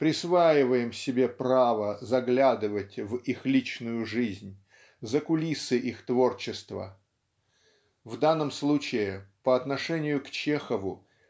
присваиваем себе право заглядывать в их личную жизнь за кулисы их творчества. В данном случае по отношению к Чехову